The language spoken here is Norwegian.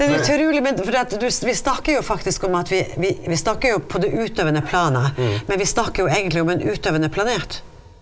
det er utrulig men fordi at du vi snakker jo faktisk om at vi vi vi snakker jo på det utøvende planet, men vi snakker jo egentlig om en utøvende planet.